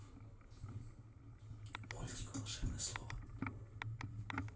мультик волшебное слово